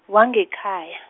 wange khaya.